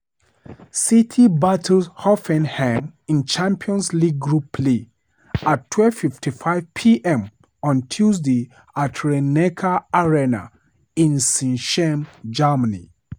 City battles Hoffenheim in Champions League group play at 12:55 p.m. on Tuesday at Rhein-Neckar-Arena in Sinsheim, Germany.